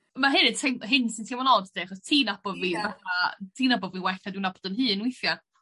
Ma hyn yn teim- hyn sy'n teimlo'n od 'de 'chos ti nabo fi fatha ti nabod fi well na dwi nabod 'yn hun weithia'